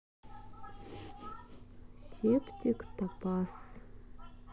септик топаз